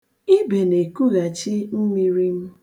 Ibe na-ekughachi mmiri m.